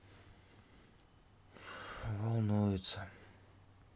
волнуется